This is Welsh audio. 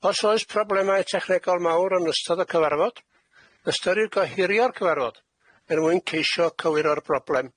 Os oes problemau technegol mawr yn ystod y cyfarfod, ystyrir gohirio'r cyfarfod er mwyn ceisio cywiro'r broblem.